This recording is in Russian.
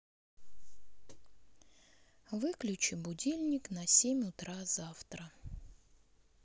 выключи будильник на семь утра завтра